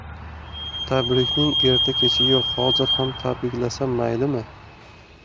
tabrikning erta kechi yo'q hozir ham tabriklasam maylimi